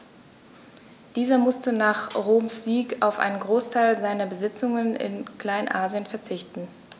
Dieser musste nach Roms Sieg auf einen Großteil seiner Besitzungen in Kleinasien verzichten.